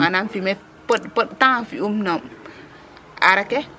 manaam fumier pod temps fi'um na aaraa ke,